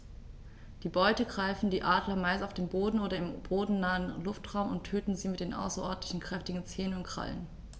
Die Beute greifen die Adler meist auf dem Boden oder im bodennahen Luftraum und töten sie mit den außerordentlich kräftigen Zehen und Krallen.